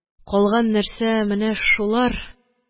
Калган нәрсә менә шулар